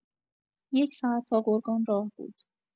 یک ساعت تا گرگان راه بود.